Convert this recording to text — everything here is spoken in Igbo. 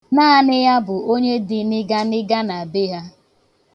Naanị ya bụ onye dị nịganịga na be ha.